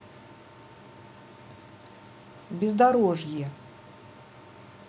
бездорожье